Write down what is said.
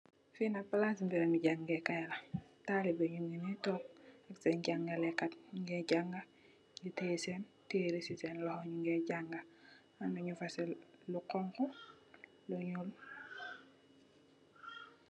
Fi nak palaas su bërèm mu jangukaay la. Talibè nungi toog, senn jànglè kat mungè jànga nu tè senn teereh ci senn loho nu gè jàng ga. Amna nu fa sol lu honku, lu ñuul.